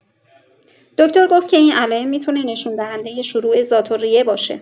دکتر گفت که این علائم می‌تونه نشون‌دهندۀ شروع ذات‌الریه باشه.